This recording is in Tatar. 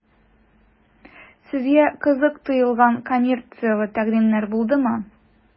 Сезгә кызык тоелган коммерцияле тәкъдимнәр булдымы?